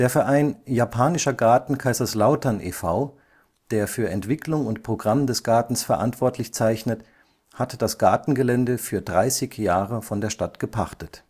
Verein Japanischer Garten Kaiserslautern e. V., der für Entwicklung und Programm des Gartens verantwortlich zeichnet, hat das Gartengelände für 30 Jahre von der Stadt gepachtet